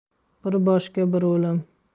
bir boshga bir o'lim